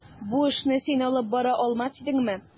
Бу эшне син алып бара алмас идеңме?